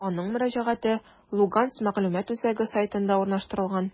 Аның мөрәҗәгате «Луганск мәгълүмат үзәге» сайтында урнаштырылган.